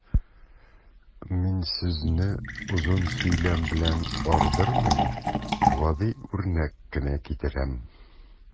Мин сезне озын сөйләм белән ардырмыйм, гади үрнәк кенә китерәм.